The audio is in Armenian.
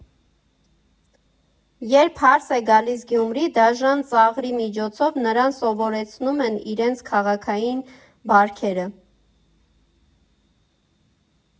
Երբ հարս է գալիս Գյումրի, դաժան ծաղրի միջոցով նրան սովորեցնում են իրենց քաղաքային բարքերը։